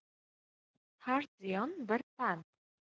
har ziyon bir pand